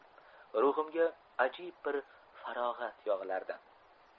ruhimga ajib bir farog'at yog'ilardi